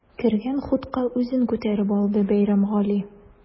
Кергән хутка үзен күтәреп алды Бәйрәмгали.